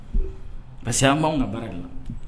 Parce que an b’anw ka baara de la